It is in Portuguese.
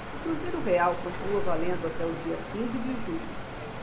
o cruzeiro real continua valendo até o dia quinze de julho